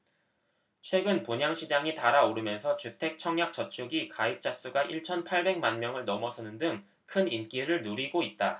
최근 분양시장이 달아오르면서 주택청약저축이 가입자수가 일 천 팔백 만명을 넘어서는 등 큰 인기를 누리고 있다